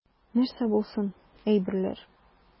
Нәрсә булсын, әйберләр.